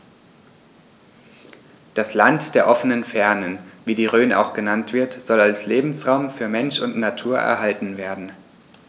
Das „Land der offenen Fernen“, wie die Rhön auch genannt wird, soll als Lebensraum für Mensch und Natur erhalten werden.